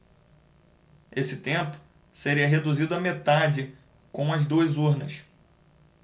esse tempo seria reduzido à metade com as duas urnas